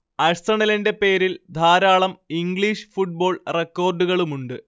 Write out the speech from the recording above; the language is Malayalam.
ആഴ്സണലിന്റെ പേരിൽ ധാരാളം ഇംഗ്ലീഷ് ഫുട്ബോൾ റെക്കോർഡുകളുമുണ്ട്